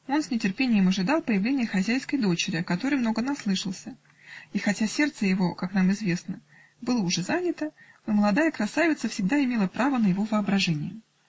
он с нетерпением ожидал появления хозяйской дочери, о которой много наслышался, и хотя сердце его, как нам известно, было уже занято, но молодая красавица всегда имела право на его воображение.